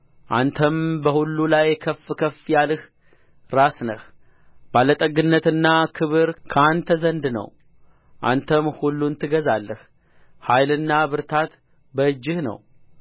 አንተም በሁሉ ላይ ከፍ ከፍ ያልህ ራስ ነህ ባለጠግነትና ክብር ከአንተ ዘንድ ነው አንተም ሁሉን ትገዛለህ ኃይልና ብርታት በእጅህ ነው